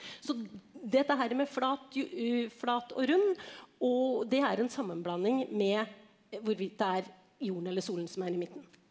så dette her med flat flat og rund og det er en sammenblanding med hvorvidt det er jorden eller solen som er i midten.